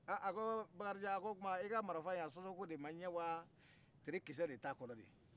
a ko bakarijan i ka marafa yin a sɔnsɔn ko de ma ɲɛ wa teri kisɛ de t'a kɔnɔ de